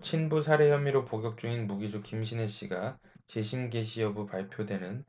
친부 살해 혐의로 복역 중인 무기수 김신혜씨가 재심 개시 여부 발표되는